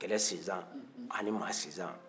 kɛlɛ sinsan ani maa sinsan